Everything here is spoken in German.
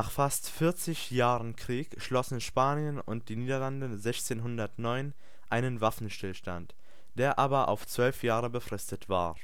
fast 40 Jahren Krieg schlossen Spanien und die Niederlande 1609 einen Waffenstillstand, der aber auf zwölf Jahre befristet war